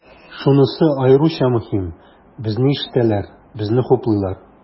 Шунысы аеруча мөһим, безне ишетәләр, безне хуплыйлар.